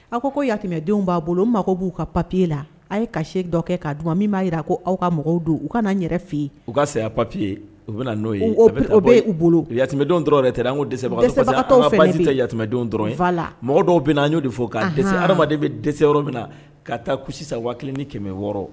A ko yamɛdenw b'a bolo mago b'u ka papiye la a ye ka se dɔ kɛ k' a min b'a jira a ko aw ka mɔgɔw don u kana'a yɛrɛ f yen u ka saya papiye u bɛna n'o ye o bɛ y'u bolo yamɛdenw dɔrɔn de tɛ n ko dɛsɛse saba yamɛdenw dɔrɔn fa la dɔw bɛna na n'o de fɔ k ka dɛsɛse hadama bɛ dɛsɛse yɔrɔ min na ka taa ku sisan waati ni kɛmɛ wɔɔrɔ